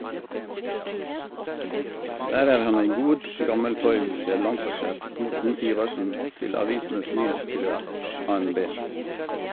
Der er han i god gammel form, sier landslagssjef Morten Ivarsen til Avisenes Nyhetsbyrå (ANB).